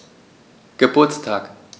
Geburtstag